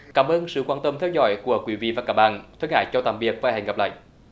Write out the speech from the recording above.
cảm ơn sự quan tâm theo dõi của quý vị và các bạn thân ái chào tạm biệt và hẹn gặp lại